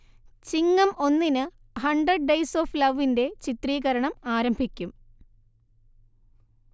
ചിങ്ങം ഒന്നിന് hundred days of ലവിന്റെ ചിത്രീകരണം ആരംഭിക്കും